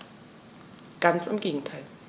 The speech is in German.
Ganz im Gegenteil.